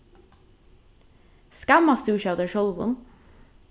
skammast tú ikki av tær sjálvum